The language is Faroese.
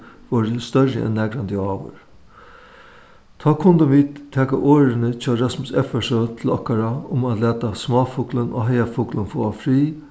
vóru størri enn nakrantíð áður tá kundu vit taka orðini hjá rasmusi effersøe til okkara um at lata smáfuglin og heiðafuglin fáa frið